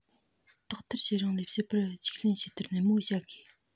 དག ཐེར བྱེད རིང ལས བྱེད པར རྒྱུགས ལེན དཔྱད བསྡུར ནན པོ བྱ དགོས